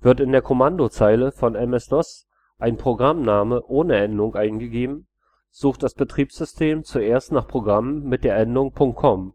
Wird in der Kommandozeile von MS-DOS ein Programmname ohne Endung eingegeben, sucht das Betriebssystem zuerst nach Programmen mit der Endung „. com